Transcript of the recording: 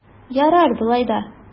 Ярар болай да!